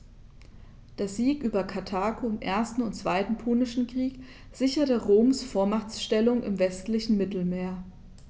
Der Sieg über Karthago im 1. und 2. Punischen Krieg sicherte Roms Vormachtstellung im westlichen Mittelmeer.